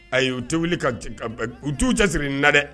Ayi u tɛ wuli ka u t'u cɛ sigi na dɛ